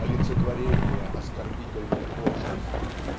олицетворение оскорбительной пошлости